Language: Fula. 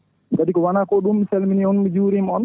gati ko wona ko ɗum mi salmini on mi jurima on